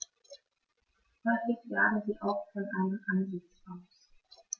Häufig jagen sie auch von einem Ansitz aus.